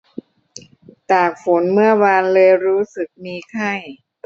ตากฝนเมื่อวานเลยรู้สึกมีไข้